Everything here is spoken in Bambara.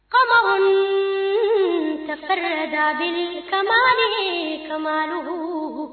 Kamalensonin tɛ da kain kadugu